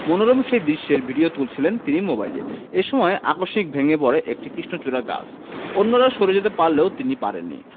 মনোরম সেই দৃশ্যের ভিডিও তুলছিলেন তিনি মোবাইলে এ সময় আকস্মিক ভেঙ্গে পড়ে একটি কৃষ্ণচূড়া গাছ অন্যরা সরে যেতে পারলেও তিনি পারেননি